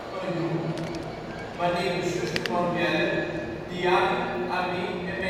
miljoen wanneer de zustermodellen Dyane, Ami en